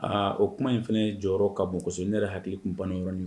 Aa o kuma in fana jɔyɔrɔ ka bon ne yɛrɛ hakili tun pan na o yɔrɔni kan